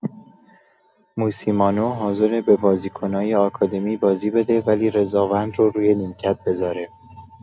موسیمانو حاضره به بازیکنای آکادمی بازی بده ولی رضاوند رو روی نیمکت بزاره